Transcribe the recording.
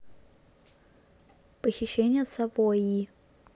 похищение савойи